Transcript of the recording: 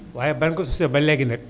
waaye bañ ko sosee ba léegi nag